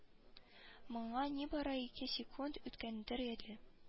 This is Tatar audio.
Моңа нибары ике секунд үткәндер әле